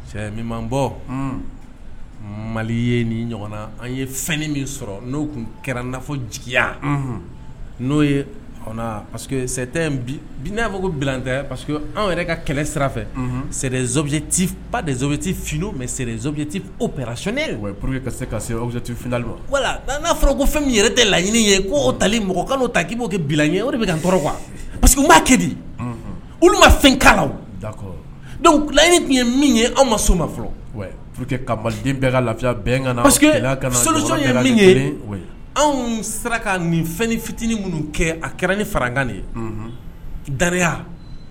Cɛ bɔ mali ye ni ɲɔgɔn na an ye fɛn min sɔrɔ n' tun kɛrafɔ jigiya n'o n ma kotɛ an yɛrɛ ka kɛlɛ sira sɛ ba deti filo mɛracli wala n'a fɔra ko fɛn min yɛrɛ de laɲini ye ko tali mɔgɔ kalo ta k'i'o kɛ bila o bɛ tɔɔrɔ kuwa pa que b'a kɛ di olu makalaw tun ye min ye anw ma so ma fɔlɔ p que kaden bɛɛ ka lafiya anw saraka nin fitinin minnu kɛ a kɛra ni fararankan de ye daya